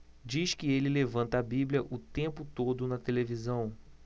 diz que ele levanta a bíblia o tempo todo na televisão